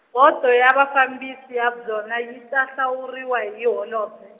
Bodo ya Vafambisi ya byona yi ta hlawuriwa hi holobye.